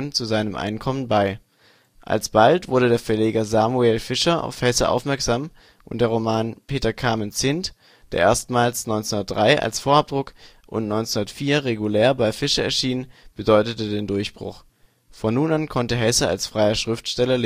zu seinem Einkommen bei. Alsbald wurde der Verleger Samuel Fischer auf Hesse aufmerksam, und der Roman " Peter Camenzind ", der erstmals 1903 als Vorabdruck und 1904 regulär bei Fischer erschien, bedeutete den Durchbruch: Von nun an konnte Hesse als freier Schriftsteller